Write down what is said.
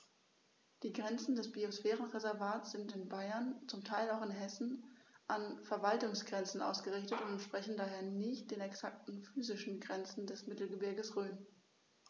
Die Grenzen des Biosphärenreservates sind in Bayern, zum Teil auch in Hessen, an Verwaltungsgrenzen ausgerichtet und entsprechen daher nicht exakten physischen Grenzen des Mittelgebirges Rhön.